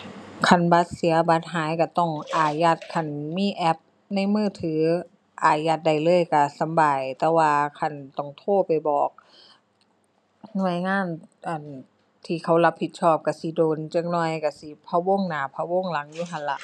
คันบัตรเสียบัตรหายก็ต้องอายัด คันมีแอปในมือถืออายัดได้เลยก็สบาย แต่ว่าคันต้องโทรไปบอกหน่วยงาน อั่น ที่เขารับผิดชอบก็สิโดนจักหน่อย ก็สิพะวงหน้าพะวงหลังอยู่หั้นล่ะ